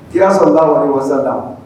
I y'a sɔrɔ la wasa la